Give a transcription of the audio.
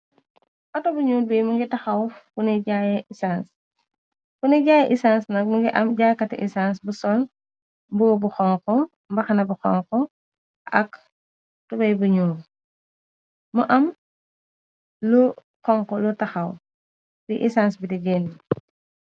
Auto bu nuul bi mu ngi taxaw funyuy jaaye esanse funyuy jaaye esanse nag mu ngi am jaay katu esanse bu sol boo bu xonko mbaxna bu xonko ak tubey bu ñuul mu am lu xonk lu taxaw fi esanse bidi génn ni.